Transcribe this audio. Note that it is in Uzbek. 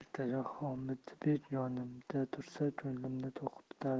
ertaga homidbek yonimda tursa ko'nglimni to'q tutardim